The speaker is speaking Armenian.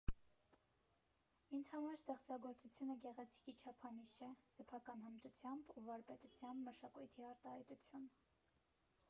Ինձ համար ասեղնագործությունը գեղեցիկի չափանիշ է, սեփական հմտությամբ ու վարպետությամբ մշակույթի արտահայտություն։